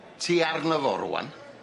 Ti arno fo rŵan.